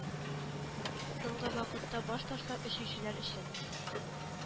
Соңгы вакытта баш ташлап эчүчеләр өчен